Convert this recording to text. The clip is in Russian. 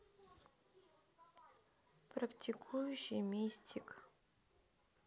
практикующий мистик